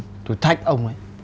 tôi thách ông đấy